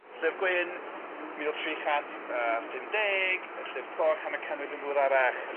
Llyfr Gwyn mil tri chant a phum deg, Llyfr Coch, hanner canrif yn ddiweddarach, ynde